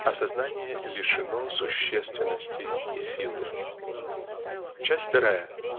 а сознание лишено существенности и силы. Часть вторая.